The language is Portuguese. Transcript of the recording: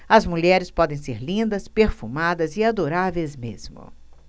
as mulheres podem ser lindas perfumadas e adoráveis mesmo